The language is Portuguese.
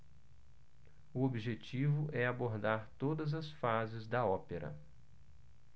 o objetivo é abordar todas as fases da ópera